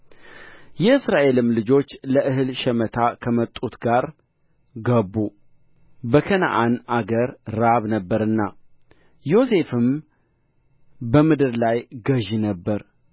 የእስራኤልም ልጆች ለእህል ሸመታ ከመጡቱ ጋር ገቡ በከነዓን አገር ራብ ነበረና ዮሴፍም በምድር ላይ ገዥ ነበረ